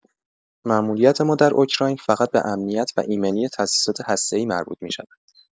ماموریت ما در اوکراین فقط به امنیت و ایمنی تاسیسات هسته‌ای مربوط می‌شود.